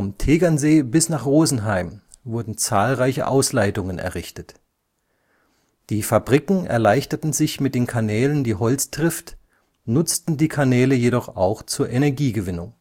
Tegernsee bis nach Rosenheim wurden zahlreiche Ausleitungen errichtet. Die Fabriken erleichterten sich mit den Kanälen die Holztrift, nutzen die Kanäle jedoch auch zur Energiegewinnung